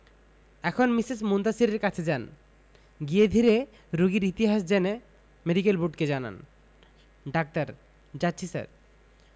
এখন মিসেস মুনতাসীরের কাছে যান গিয়ে ধীরে রোগীর ইতিহাস জেনে মেডিকেল বোর্ডকে জানান ডাক্তার যাচ্ছি স্যার